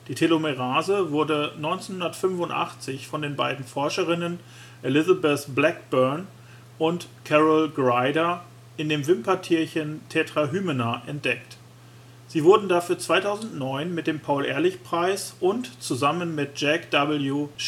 Telomerase wurde 1985 von den beiden Forscherinnen Elizabeth Blackburn und Carol Greider in dem Wimpertierchen Tetrahymena entdeckt. Sie wurden dafür 2009 mit dem Paul-Ehrlich-Preis und, zusammen mit Jack W. Szostak